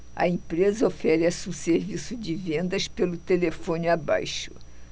a empresa oferece um serviço de vendas pelo telefone abaixo